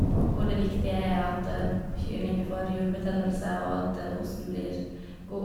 Og hvor det viktige er at kyrene ikke får jurbetennelse og at osten blir god.